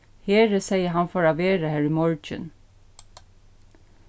heri segði at hann fór at vera har í morgin